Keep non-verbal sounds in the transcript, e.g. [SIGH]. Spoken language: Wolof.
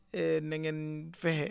[HESITATION] na ngeen fexe